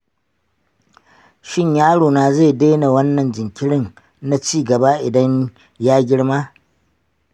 shin yarona zai daina wannan jinkirin na ci gaba idan ya girma?